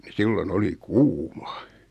niin silloin oli kuuma